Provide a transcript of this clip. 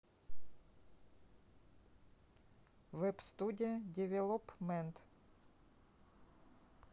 веб студия девелопмент